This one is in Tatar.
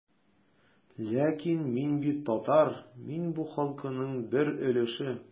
Ләкин мин бит татар, мин бу халыкның бер өлеше.